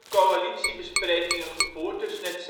coalitiebesprekingen gevoerd tussen het